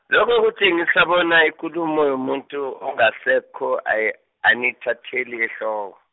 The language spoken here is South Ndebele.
lokho kutjengisa bona ikulumo yomuntu ongasekho, ay- aniyithatheli ehloko.